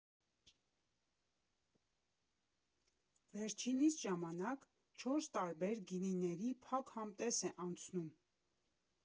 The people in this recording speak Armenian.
Վերջինիս ժամանակ չորս տարբեր գինիների փակ համտես է անցնում։